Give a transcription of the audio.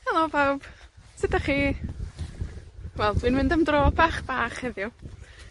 Helo bawb. Sud 'dach chi? Wel, dwi'n mynd am dro bach, bach heddiw.